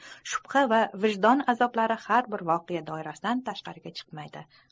shubha va vijdon azoblari har bir voqea doirasidan tashqariga chiqmaydi